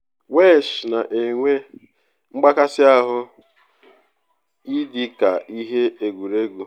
Welsh AM na enwe mgbakasị ahụ maka ‘ị dị ka ihe egwuregwu’